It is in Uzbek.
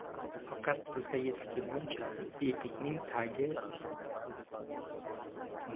faqat bizga yetib kelguncha etikning tagi